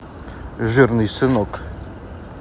жирный сынок